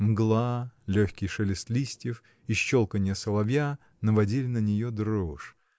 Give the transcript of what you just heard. Мгла, легкий шелест листьев и щелканье соловья наводили на нее дрожь.